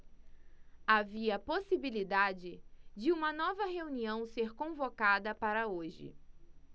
havia possibilidade de uma nova reunião ser convocada para hoje